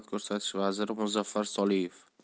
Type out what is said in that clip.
ko'rsatish vaziri muzaffar soliyev